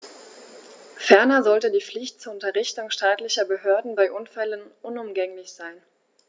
Ferner sollte die Pflicht zur Unterrichtung staatlicher Behörden bei Unfällen unumgänglich sein.